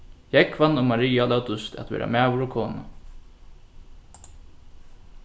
jógvan og maria lótust at vera maður og kona